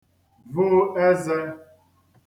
vo ezē